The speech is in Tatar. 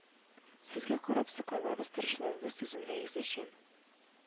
Сезгә карап сокланабыз, тырышлыгыгыз, түземлегегез өчен